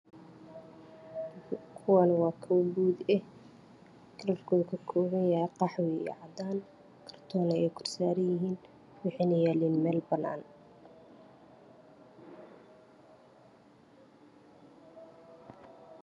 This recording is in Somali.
Kuwani waa kobo bud ahe kalarkoda kakoban yahay qahwi io cadan karton eey korsaran yahin waxeyna yalan mel banan ah